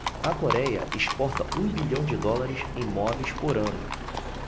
a coréia exporta um bilhão de dólares em móveis por ano